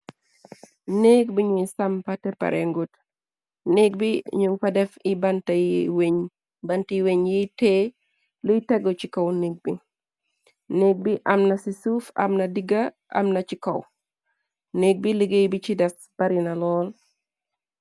Néek bi ñuy sam pate pare ngut néek bi ñu fa def banty weñ yiy tée luy taga ci kaw nég bi néeg bi amna ci suuf amna digga amna ci kaw néeg bi liggéey bi ci def barina lool.